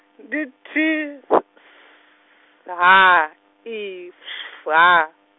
ndi T , H I F H.